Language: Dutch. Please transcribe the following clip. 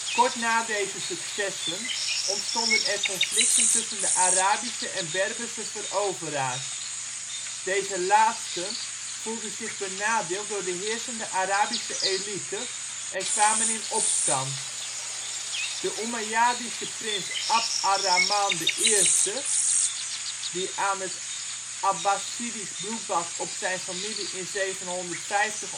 Kort na deze successen ontstonden er conflicten tussen de Arabische en Berberse veroveraars. Deze laatste voelden zich benadeeld door de heersende Arabische elite en kwamen in opstand. De Oemajjadische prins Abd ar-Rahmaan I die aan het Abbassidisch bloedbad op zijn familie in 750 ontsnapte